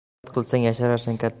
mehnat qilsang yasharsan